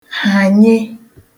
hànye